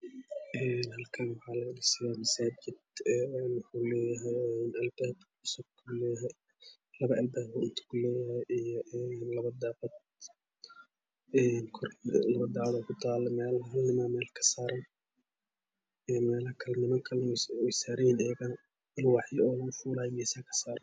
Een halkaan waxaa laga dhisayaa masaajid een wuxuu leeyahay albaab laga soogalo labo albaab oo inta kuleeyahay iyo labo daaqadood een korna labo daaqadood aya kutaala meel hal nin aa ka saaran een meelo kale niman kale way saaranyihin alwaaxyo lagu fuuliyo geesaha ka saaran